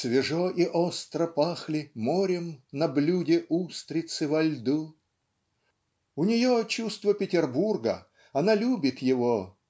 Свежо и остро пахли морем На блюде устрицы во льду. У нее чувство Петербурга она любит его